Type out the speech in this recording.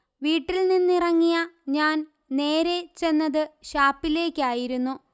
വീട്ടില്നിന്നിറങ്ങിയ ഞാൻനേരെ ചെന്നത് ഷാപ്പിലേക്കായിരുന്നു